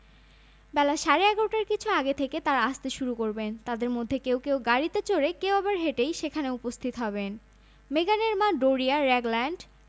কিন্তু হবু রাজবধূ কাউকেই মেড অব অনার হিসেবে নেবেন না বলে জানিয়েছেন কারণ তাঁর ঘনিষ্ঠ বান্ধবীর সংখ্যা খুব কম মেড অব অনার হিসেবে একজনকে বাছাই করে অন্যদের মনে কষ্ট দিতে চান না তিনি